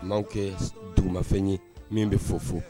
kɛ dugumafɛn ye min bɛ fofo